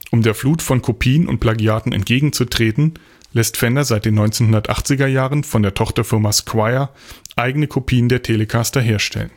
Um der Flut von Kopien und Plagiaten entgegenzutreten, lässt Fender seit den 1980er Jahren von der Tochterfirma Squier eigene Kopien der Telecaster herstellen